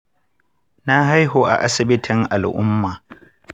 na haihu a asibatin al' umma.